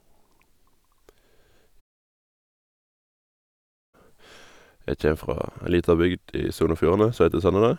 jeg kjem fra ei lita bygd i Sogn og Fjordane som heter Sandane.